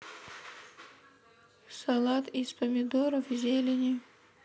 салат из помидоров зелени